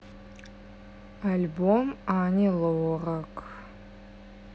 альбом ани лорак